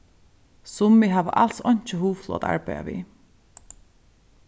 summi hava als einki hugflog at arbeiða við